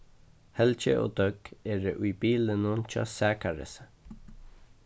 helgi og døgg eru í bilinum hjá sakarisi